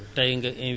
am mbégte